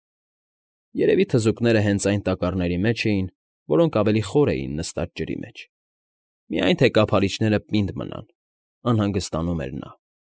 Երևի թզուկները հենց այն տակառների մեջ էին, որոնք ավելի խոր էին նստած ջրի մեջ։ «Միայն թե կափարիչները պինդ մնան»,֊ անհանգստանում էր նա։